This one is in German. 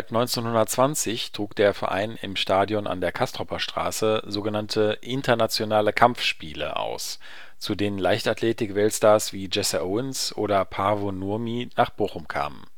1920 trug der Verein im Stadion an der Castroper Straße so genannte „ Internationale Kampfspiele “aus, zu denen Leichtathleten-Weltstars wie Jesse Owens oder Paavo Nurmi nach Bochum kamen